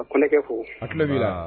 A kɔnkɛ fo a tulo'i la